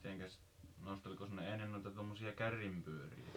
mitenkäs nostelikos ne ennen noita tuommoisia kärrynpyöriä